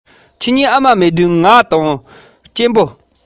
ང རང མཐོང མ ཐག ཅ ཅོ